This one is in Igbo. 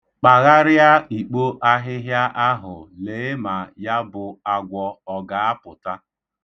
Kpagharịa ikpo ahịhịa ahụ, lee ma ya bụ agwọ ọ ga-apụta.